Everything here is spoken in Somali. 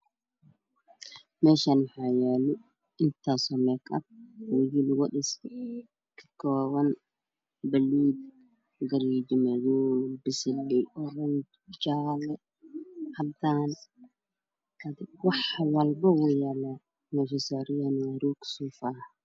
Meshan waxaa yalan meg aab oo intaas kalar ka kooban baluug gaduud